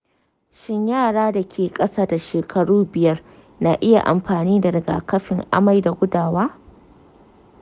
shin yara da ke ƙasa da shekaru biyar na iya amfani da rigakafin amai da gudawa?